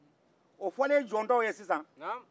o fɔlen jɔn tɔw ye sisan